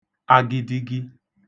agidigi